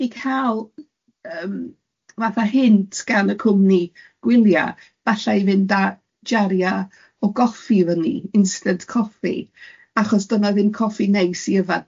di cal yym fatha hint gan y cwmni gwylia falla i fynd a jaria o goffi efo ni, instant coffi achos dodd na ddim coffi neis i yfad.